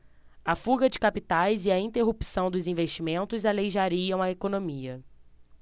a fuga de capitais e a interrupção dos investimentos aleijariam a economia